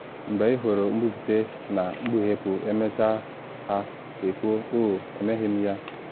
“Mgbe ị hụrụ mbupute na mkpughepu emechaa ha ekwuo “oh, emeghị m ya.